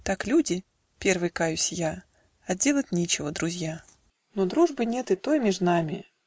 Так люди (первый каюсь я) От делать нечего друзья. Но дружбы нет и той меж нами.